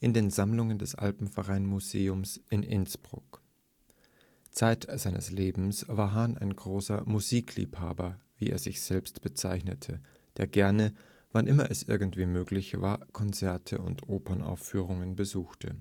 in den Sammlungen des Alpenverein-Museums in Innsbruck. Zeit seines Lebens war Hahn ein großer Musikliebhaber, wie er sich selbst bezeichnete, der gerne, wann immer es irgendwie möglich war, Konzerte und Opernaufführungen besuchte